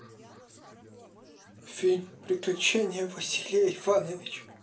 фильм приключения василия ивановича